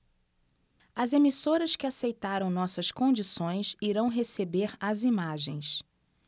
as emissoras que aceitaram nossas condições irão receber as imagens